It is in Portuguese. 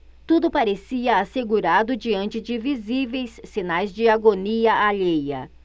tudo parecia assegurado diante de visíveis sinais de agonia alheia